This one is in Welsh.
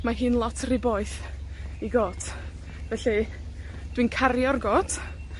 Mae hi'n lot ry boeth i got, felly dw i'n cario'r got.